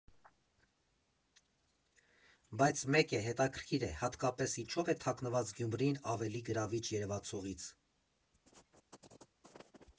Բայց մեկ է՝ հետաքրքիր է՝ հատկապես ինչո՞վ է թաքնված Գյումրին ավելի գրավիչ երևացողից։